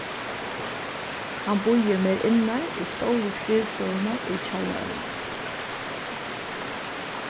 hann býður mær innar í stóru skrivstovuna í kjallaranum